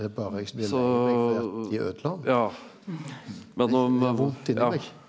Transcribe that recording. er det berre eg som blir lei meg for det at dei øydela den vondt inni meg.